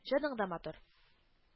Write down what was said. Җаның да матур